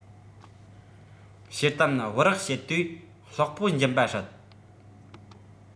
ཤེལ དམ སྦི རག བྱེད དུས སློག སྤོ འབྱིན པ སྲིད